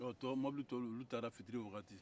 mobili tɔw taara fitiri wagati